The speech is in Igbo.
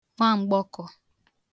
nwamgbọkọ̄